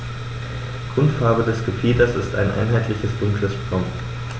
Grundfarbe des Gefieders ist ein einheitliches dunkles Braun.